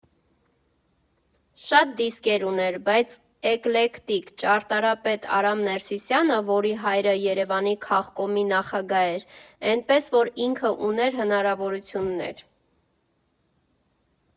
Շատ դիսկեր ուներ, բայց էկլեկտիկ, ճարտարապետ Արամ Ներսիսյանը, որի հայրը Երևանի քաղկոմի նախագահ էր, էնպես որ ինքը ուներ հնարավորություններ։